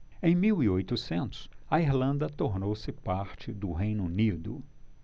em mil e oitocentos a irlanda tornou-se parte do reino unido